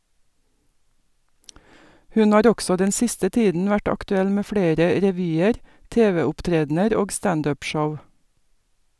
Hun har også den siste tiden vært aktuell med flere revyer , tv-opptredener og stand up-show.